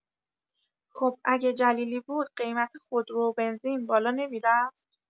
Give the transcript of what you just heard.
خوب اگه جلیلی بود قیمت خودرو و بنزین بالا نمی‌رفت؟